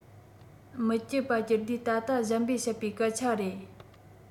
མི སྐྱིད པ སྤྱིར དུས ད ལྟ གཞན པས བཤད པའི སྐད ཆ རེད